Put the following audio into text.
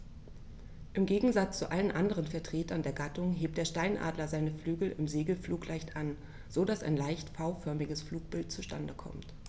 Im Gegensatz zu allen anderen Vertretern der Gattung hebt der Steinadler seine Flügel im Segelflug leicht an, so dass ein leicht V-förmiges Flugbild zustande kommt.